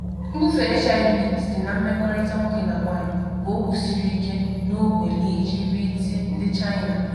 Nbufe HIV site na mmekọrịta nwoke na nwanyị bụ okwu siri ike n’ogbe LGBT ndị China.